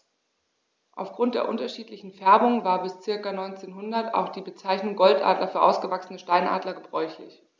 Auf Grund der unterschiedlichen Färbung war bis ca. 1900 auch die Bezeichnung Goldadler für ausgewachsene Steinadler gebräuchlich.